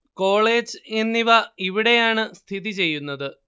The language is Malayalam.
കോളേജ് എന്നിവ ഇവിടെയാണ് സ്ഥിതി ചെയ്യുന്നത്